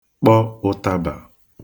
kpọ ụ̄tābà